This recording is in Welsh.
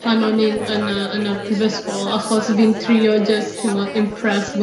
pan o'n i'n yn y yn y prifysgol, achos fi'n trio jyst t'mod impress fy